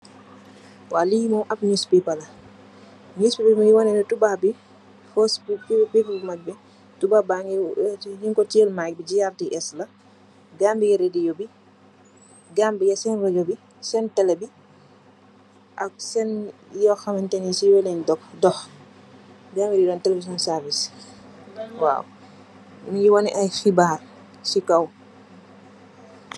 Li Mom ap newspaper la newspaper bi munge wane ne tubab bi tubab bangi teyeh mike GRTS la gambia radio gambia sen rujoh bi sen tele bi ak yenen yu kham neh si len dokh gambia radio television service mungi waneh aye xibarr si kaw